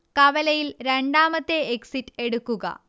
കവലയിൽ രണ്ടാമത്തെ എക്സിറ്റ് എടുക്കുക